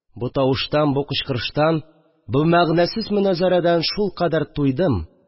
Бу тавыштан, бу кычкырыштан, бу мәгънәсез моназарәдән шулкадәр туйдым